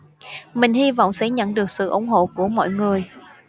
mình hy vọng sẽ nhận được sự ủng hộ của mọi người